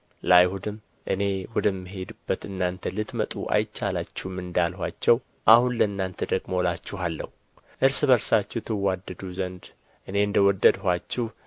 ለአይሁድም እኔ ወደምሄድበት እናንተ ልትመጡ አይቻላችሁም እንዳልኋቸው አሁን ለእናንተ ደግሞ እላችኋለሁ እርስ በርሳችሁ ትዋደዱ ዘንድ እንደ ወደድኋችሁ